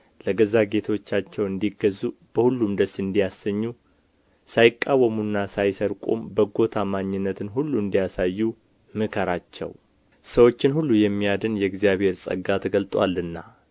ለገዛ ጌቶቻቸው እንዲገዙ በሁሉም ደስ እንዲያሰኙ ሳይቃወሙና ሳይሰርቁም በጎ ታማኝነትን ሁሉ እንዲያሳዩ ምከራቸው ሰዎችን ሁሉ የሚያድን የእግዚአብሔር ጸጋ ተገልጦአልና